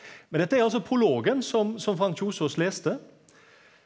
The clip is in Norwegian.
men dette er altså prologen som som Frank Kjosås las.